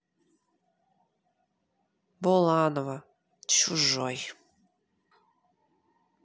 буланова чужой